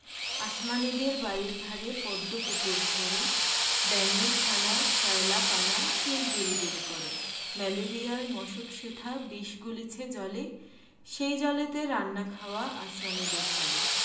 আসমানীদের বাড়ির ধারে পদ্ম পুকুর ভরে ব্যাঙের ছানা শ্যাওলাপানা কিলবিলবিল করে ম্যালেরিয়ার মশক সেথা বিষ গুলিছে জলে সেই জলেতে রান্নাখাওয়া আসমানীদের চলে